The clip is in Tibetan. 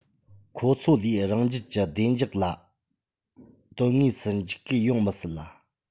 ཁོ ཚོ ལས རང རྒྱལ གྱི བདེ འཇགས ལ དོན དངོས སུ འཇིགས སྐུལ ཡོང མི སྲིད པ